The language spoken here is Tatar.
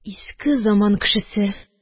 Иске заман кешесе